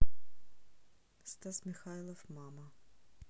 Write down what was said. стас михайлов мама